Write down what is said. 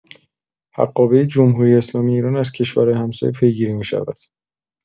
حقابه جمهوری‌اسلامی ایران از کشورهای همسایه پیگیری می‌شود؛